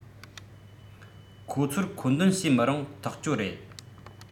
ཁོང ཚོར མཁོ འདོན བྱེད མི རུང ཐག ཆོད རེད